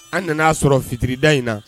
An nana sɔrɔ fitirida in na.